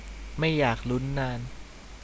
ไม่อยากลุ้นนาน